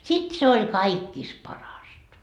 sitten se oli kaikista parasta